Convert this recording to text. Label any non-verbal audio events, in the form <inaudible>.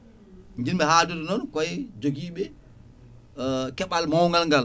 jinmi haaldude noon koye joguiɓe <hesitation> keeɓal mawnagl ngal